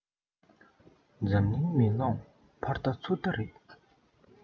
འཛམ གླིང མེ ལོང ཕར བལྟ ཚུར བལྟ རེད